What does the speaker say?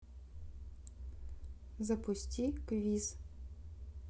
запусти квиз